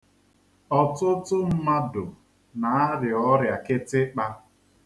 Ọtụtụ mmadụ na-arịa ọrịa kịtịkpa